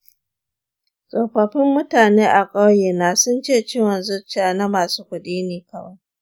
tsofaffin mutane a ƙauyena sun ce ciwon zuciya na masu kuɗi ne kawai